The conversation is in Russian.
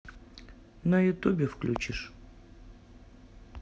на ютубе включишь